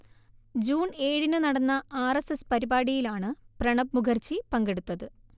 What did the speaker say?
June ഏഴിന് നടന്ന R S S പരിപാടിയിലാണ് പ്രണബ് മുഖർജി പങ്കെടുത്തത്